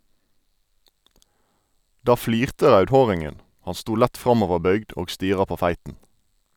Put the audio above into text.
Da flirte raudhåringen; han sto lett framoverbøygd og stira på feiten.